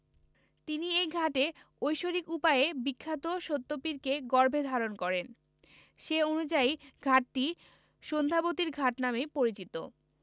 তিনি এই ঘাটে ঐশ্বরিক উপায়ে বিখ্যাত সত্যপীরকে গর্ভে ধারণ করেন সে অনুযায়ী ঘাটটি সন্ধ্যাবতীর ঘাট নামে পরিচিত